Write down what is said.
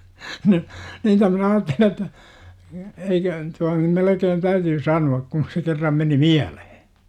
no niitä minä ajattelin että eikö tuon nyt melkein täytyy sanoa kun se kerran meni mieleen